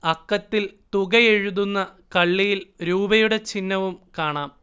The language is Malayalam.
അക്കത്തിൽ തുകയെഴുതുന്ന കള്ളിയിൽ രൂപയുടെ ചിഹ്നവും കാണാം